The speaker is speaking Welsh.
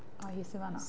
O hi sy fanno.